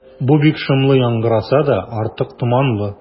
Бу бик шомлы яңгыраса да, артык томанлы.